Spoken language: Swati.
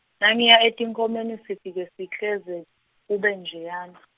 Nangiya etinkhomeni sifike sikleze, kube njeyana .